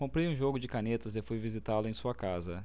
comprei um jogo de canetas e fui visitá-lo em sua casa